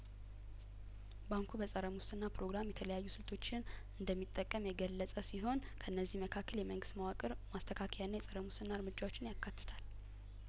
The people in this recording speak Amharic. ባንኩ በጸረ ሙስና ፕሮግራም የተለያዩ ስልቶችን እንደሚጠቀም የገለጸ ሲሆን ከእነዚህ መካከል የመንግስት መዋቅር ማስተካከያና የጸረ ሙስና እርምጃዎችን ያካትታል